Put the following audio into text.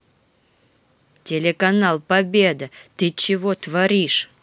телеканал победа ты че творишь